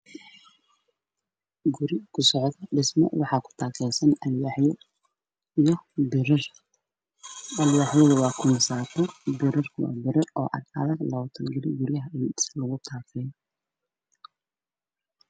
Waa guur ku socda dhismo oo ka taagan yahay